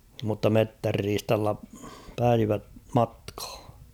mutta metsänriistalla päivä matkaan